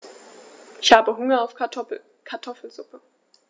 Ich habe Hunger auf Kartoffelsuppe.